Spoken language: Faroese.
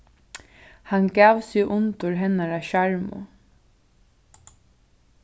hann gav seg undir hennara sjarmu